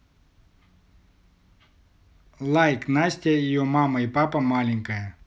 лайк настя и ее мама и папа маленькая